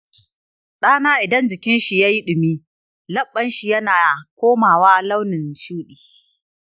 ɗana idan jikin shi yayi dumi leɓɓa shi yana komawa launin shuɗi.